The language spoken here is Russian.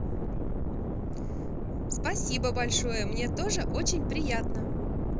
спасибо большое мне тоже очень приятно